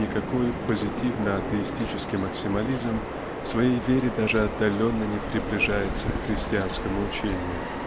никакой позитивно-атеистический максимализм в своей вере даже отдаленно не приближается к христианскому учению.